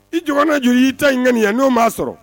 I jamana jɔ y'i ta in ŋi ye n'o b'a sɔrɔ